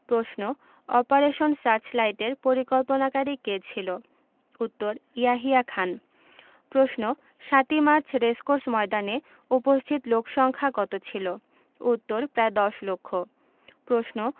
প্রশ্ন অপারেশন সার্চলাইটের পরিকল্পনাকারী কে ছিল উত্তর ইয়াহিয়া খান প্রশ্ন ৭ই মার্চ রেসকোর্স ময়দানে উপস্থিত লোকসংক্ষা কত ছিলো উত্তর প্রায় দশ লক্ষ প্রশ্ন